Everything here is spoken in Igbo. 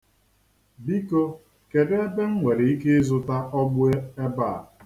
Biko, kedụ ebe m nwere ike ịzụta ọgbụ ebe a?